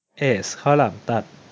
เอซข้าวหลามตัด